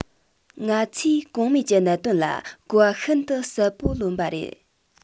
ང ཚོས གོང སྨྲས ཀྱི གནད དོན ལ གོ བ ཤིན ཏུ གསལ པོ ལོན པ རེད